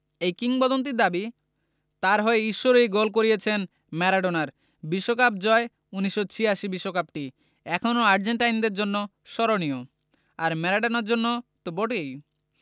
এই কিংবদন্তির দাবি তাঁর হয়ে ঈশ্বরই গোল করিয়েছেন ম্যারাডোনার বিশ্বকাপ জয় ১৯৮৬ বিশ্বকাপটি এখনো আর্জেন্টাইনদের জন্য স্মরণীয় আর ম্যারাডোনার জন্য তো বটেই